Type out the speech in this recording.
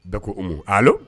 Bɛɛ ko Umu, allo